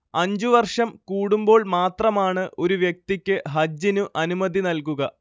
അഞ്ചു വർഷം കൂടുമ്പോൾ മാത്രമാണ് ഒരു വ്യക്തിക്ക് ഹജ്ജിനു അനുമതി നൽകുക